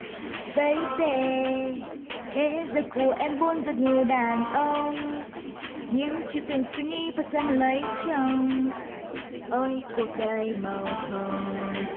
bấy bê thế giới của em vốn rất nhiều đàn ông nhưng chưa từng suy nghĩ và dám lấy chồng ôi cuộc đời màu hồng